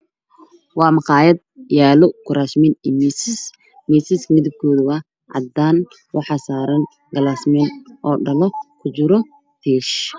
Waa maqaayad yaalo kuraasmin iyo miisas miisaska midabkoodu waa cadaan waxaa saaran galaasmiin dhalo oo kujiro tiish